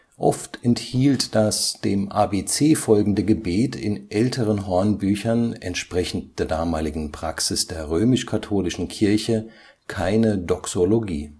Oft enthielt das dem ABC folgende Gebet in älteren Hornbüchern – entsprechend der damaligen Praxis der römisch-katholischen Kirche – keine Doxologie